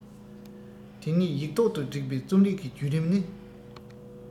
དེ ཉིད ཡིག ཐོག ཏུ བསྒྲིགས པའི རྩོམ རིག གི རྒྱུད རིམ ནི